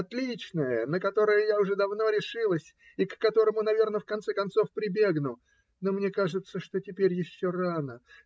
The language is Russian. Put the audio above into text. отличное, на которое я уже давно решилась и к которому, наверно, в конце концов прибегну, но мне кажется, что теперь еще рано.